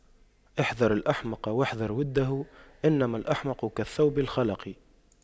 احذر الأحمق واحذر وُدَّهُ إنما الأحمق كالثوب الْخَلَق